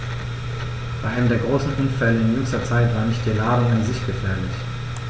Bei einem der großen Unfälle in jüngster Zeit war nicht die Ladung an sich gefährlich.